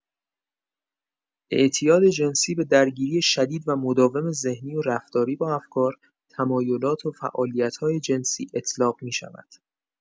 اعتیاد جنسی به درگیری شدید و مداوم ذهنی و رفتاری با افکار، تمایلات و فعالیت‌های جنسی اطلاق می‌شود؛